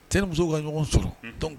Cɛ ni musow ka ɲɔgɔn sɔrɔ unhun donc